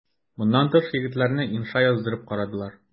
Моннан тыш егетләрне инша яздырып карадылар.